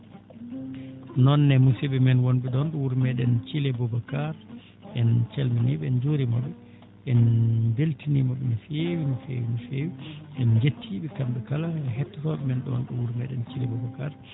noon ne musidɓe men wonɓe ɗoon ɗo wuro meeɗen Thile Boubacara en calminii ɓe en njuurima ɓe en mbeltaniima ɓe no feewi no feewi no feewi en njettii ɓe kamɓe kala hettoo ɓe men ɗoo ɗo wuro meeɗen Thilo Boubacara